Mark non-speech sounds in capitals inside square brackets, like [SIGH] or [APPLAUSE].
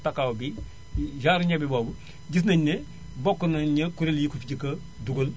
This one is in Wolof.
pakaaw bii [NOISE] genre ñebe boobu gis nañu ne bokk nañu kuréel yi ko fi njëkk a dugal